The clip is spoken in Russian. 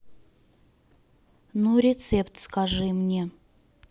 ну рецепт скажи мне